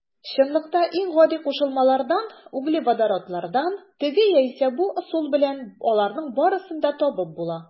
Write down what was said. Чынлыкта иң гади кушылмалардан - углеводородлардан теге яисә бу ысул белән аларның барысын да табып була.